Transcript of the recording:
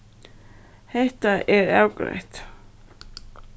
hetta er avgreitt